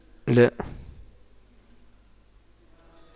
لاء